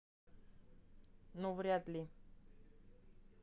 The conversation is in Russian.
ну вряд ли